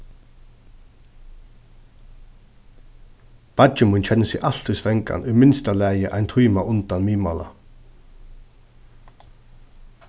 beiggi mín kennir seg altíð svangan í minsta lagi ein tíma undan miðmála